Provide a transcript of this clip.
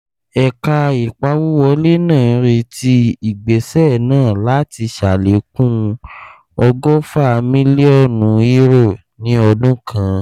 Ẹ̀ka ìpawówọlé náà ń retí ìgbéṣẹ̀ náa láti ṣàlékún £120 million ní ọdún kan.